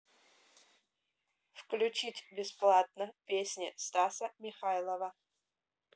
включить бесплатно песни стаса михайлова